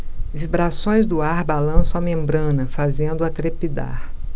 vibrações do ar balançam a membrana fazendo-a trepidar